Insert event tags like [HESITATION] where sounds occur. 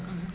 [HESITATION] [HESITATION]